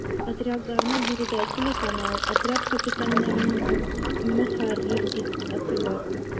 Отрядларны биредә “телеканал”, отряд капитаннарын “ мөхәррир” дип атыйлар.